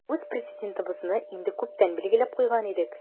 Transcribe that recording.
Үз Президентыбызны инде күптән билгеләп куйган идек.